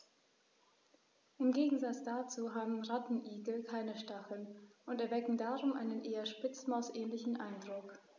Im Gegensatz dazu haben Rattenigel keine Stacheln und erwecken darum einen eher Spitzmaus-ähnlichen Eindruck.